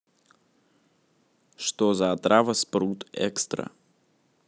что за отрава спрут экстра